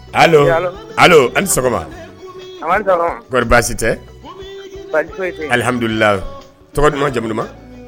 Allo a' ni sɔgɔma, anba ni sɔgɔma, kɔri baasi tɛ, baasi foyi tɛ yen, alihamudulila, tɔgɔ duman jamu duman